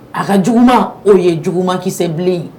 A ka juguma o de ye jugumakisɛbilen ye.